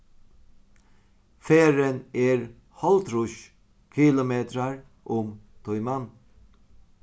ferðin er hálvtrýss kilometrar um tíman